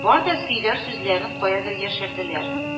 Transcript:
Бар да сөйләр сүзләрен каядыр яшерделәр